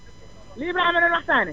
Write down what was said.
li Ibrahima doon waxtaane